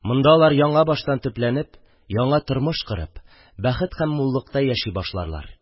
Монда алар яңабаштан төпләнеп, яңа тормыш корып, бәхет һәм муллыкта яши башларлар.